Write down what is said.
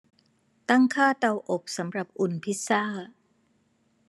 ตั้งค่าเตาอบสำหรับอุ่นพิซซ่า